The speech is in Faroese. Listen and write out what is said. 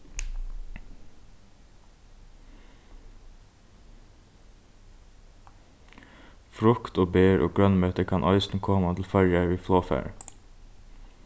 frukt og ber og grønmeti kann eisini koma til føroya við flogfari